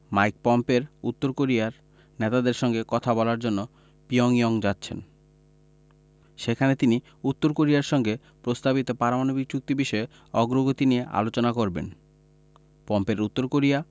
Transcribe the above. mic পম্পের উত্তর কোরিয়ার নেতাদের সঙ্গে কথা বলার জন্য পিয়ংইয়ং যাচ্ছেন সেখানে তিনি উত্তর কোরিয়ার সঙ্গে প্রস্তাবিত পারমাণবিক চুক্তি বিষয়ে অগ্রগতি নিয়ে আলোচনা করবেন পম্পের উত্তর কোরিয়া